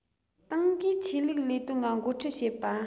ཏང གིས ཆོས ལུགས ལས དོན ལ འགོ ཁྲིད བྱེད པ